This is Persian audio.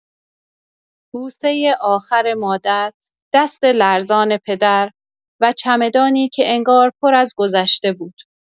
بوسۀ آخر مادر، دست لرزان پدر، و چمدانی که انگار پر از گذشته بود.